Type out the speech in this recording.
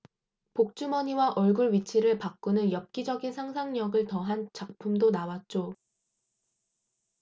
복주머니와 얼굴 위치를 바꾸는 엽기적인 상상력을 더한 작품도 나왔죠